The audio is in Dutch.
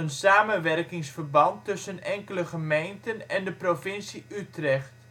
samenwerkingsverband tussen enkele gemeenten en de provincie Utrecht